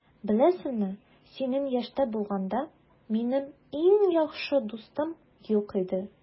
Беләсеңме, синең яшьтә булганда, минем иң яхшы дустым юк иде.